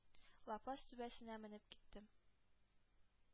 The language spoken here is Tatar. Лапас түбәсенә менеп киттем.